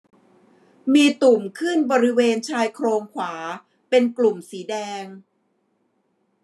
มีตุ่มขึ้นบริเวณชายโครงขวาเป็นกลุ่มสีแดง